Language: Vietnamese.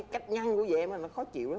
cách nhăng của vợ em là nó khó chịu lắm